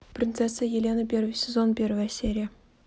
принцесса елена первый сезон первая серия